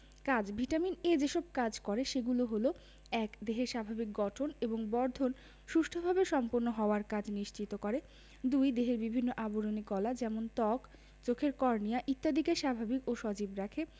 কাজ vitamin A যেসব কাজ করে সেগুলো হলো ১. দেহের স্বাভাবিক গঠন এবং বর্ধন সুষ্ঠুভাবে সম্পন্ন হওয়ার কাজ নিশ্চিত করে ২. দেহের বিভিন্ন আবরণী কলা যেমন ত্বক চোখের কর্নিয়া ইত্যাদিকে স্বাভাবিক ও সজীব রাখে